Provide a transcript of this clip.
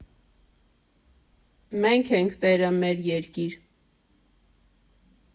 ֊ Մենք ենք տերը մեր երկիր։